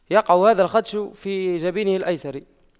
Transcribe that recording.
يقع هذا الخدش في جبينه الأيسر